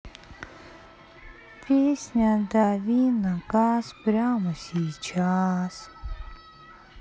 песня дави на газ прямо сейчас